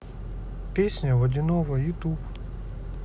песня водяного ютуб